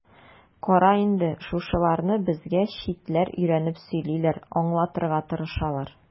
Кара инде, шушыларны безгә читләр өйрәнеп сөйлиләр, аңлатырга тырышалар.